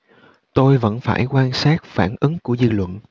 tôi vẫn phải quan sát phản ứng của dư luận